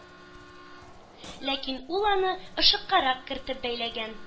Тик ул аны ышыккарак кертеп бәйләгән.